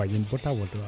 o xaƴin bata wod waaw